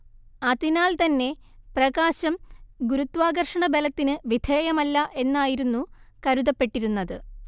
അതിനാൽത്തന്നെ പ്രകാശം ഗുരുത്വാകർഷണബലത്തിന് വിധേയമല്ല എന്നായിരുന്നു കരുതപ്പെട്ടിരുന്നത്